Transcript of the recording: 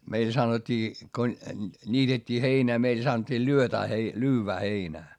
meillö sanottiin kun niitettiin heinää meillä sanottiin -- lyödään heinää